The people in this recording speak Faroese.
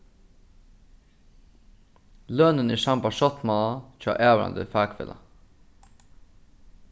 lønin er sambært sáttmála hjá avvarðandi fakfelag